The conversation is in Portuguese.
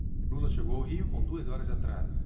lula chegou ao rio com duas horas de atraso